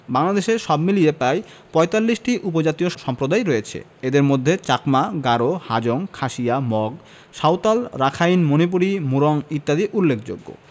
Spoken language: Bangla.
বাংলাদেশে সব মিলিয়ে প্রায় ৪৫টি উপজাতীয় সম্প্রদায় রয়েছে এদের মধ্যে চাকমা গারো হাজং খাসিয়া মগ সাঁওতাল রাখাইন মণিপুরী মুরং ইত্যাদি উল্লেখযোগ্য